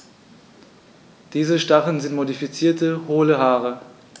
Diese Stacheln sind modifizierte, hohle Haare.